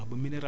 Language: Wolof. ok